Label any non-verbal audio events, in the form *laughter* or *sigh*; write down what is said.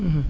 *hesitation* *hesitation*